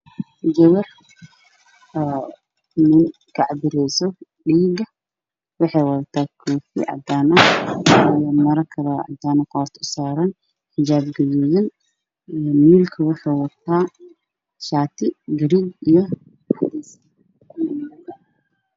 Waa meel caafimaad nin kursi ku fadhiyo oo gabar dhiig ka cabireyso oo wada shaati gabadhana wadata xijaab guduud ah